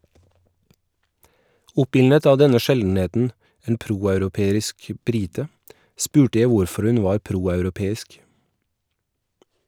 Oppildnet av denne sjeldenheten - en proeuropeisk brite - spurte jeg hvorfor hun var proeuropeisk.